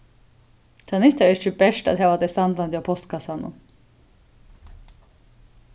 tað nyttar ikki bert at hava tey standandi á postkassum